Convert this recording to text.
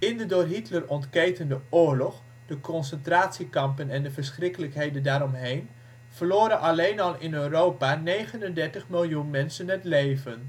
de door Hitler ontketende oorlog, de concentratiekampen en de verschrikkelijkheden daaromheen verloren alleen al in Europa 39 miljoen mensen het leven